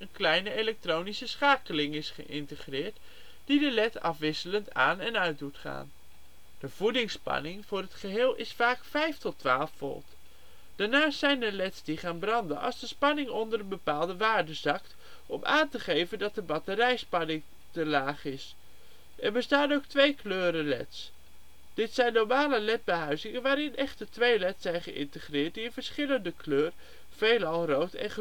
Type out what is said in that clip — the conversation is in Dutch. kleine elektronische schakeling is geïntegreerd die de led afwisselend aan en uit doet gaan. De voedingsspanning voor het geheel is vaak 5 tot 12 V. Daarnaast zijn er leds die gaan branden als de spanning onder een bepaalde waarde zakt, om aan te geven dat de batterijspanning te laag is. Ook bestaan er tweekleurenleds. Dit zijn normale led-behuizingen waarin echter twee leds zijn geïntegreerd die een verschillende kleur, veelal rood en